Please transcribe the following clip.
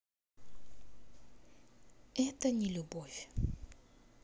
это не любовь